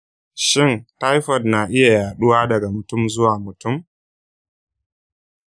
shin taifoid na iya yaɗuwa daga mutum zuwa mutum?